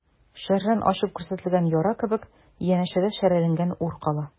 Шәрран ачып күрсәтелгән яра кебек, янәшәдә шәрәләнгән ур кала.